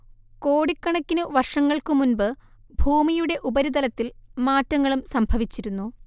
കോടിക്കണക്കിനു വർഷങ്ങൾക്കു മുൻപ് ഭൂമിയുടെ ഉപരിതലത്തിൽ മാറ്റങ്ങളും സംഭവിച്ചിരുന്നു